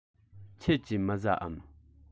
ཁྱེད ཀྱིས མི ཟ འམ